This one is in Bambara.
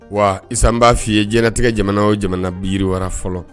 Wa isan n b' f fɔi ye diɲɛtigɛ jamana o jamana biwa fɔlɔ